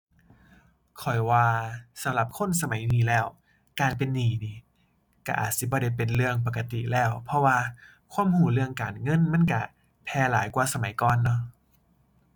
ข้อยว่าสำหรับคนสมัยนี้แล้ว การเป็นหนี้หนิก็อาจสิบ่ได้เป็นเรื่องปกติแล้ว เพราะว่าความก็เรื่องการเงินมันก็แพร่หลายกว่าสมัยก่อนเนาะ